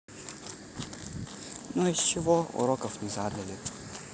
ну из чего уроков ничего не задали